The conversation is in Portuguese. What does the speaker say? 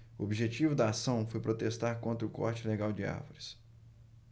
o objetivo da ação foi protestar contra o corte ilegal de árvores